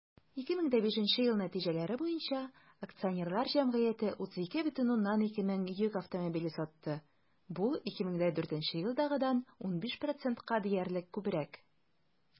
2005 ел нәтиҗәләре буенча акционерлар җәмгыяте 32,2 мең йөк автомобиле сатты, бу 2004 елдагыдан 15 %-ка диярлек күбрәк.